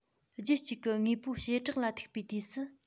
རྒྱུད གཅིག གི དངོས པོའི བྱེ བྲག ལ ཐུག པའི དུས སུ